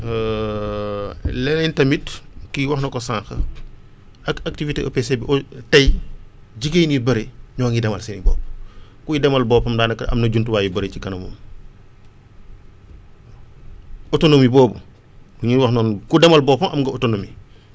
leneen tamit kii wax na ko sànq ak activité EPC bi tey jigéen yu bëri ñoo ngi demal seen bopp kuy demal boppam daanaka am na jumtuwaay yu bëri ci kanamam autonomie boobu ñuy wax noonu ku demal boppam am nga autonomie